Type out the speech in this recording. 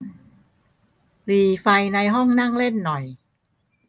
หรี่ไฟในห้องนั่งเล่นหน่อย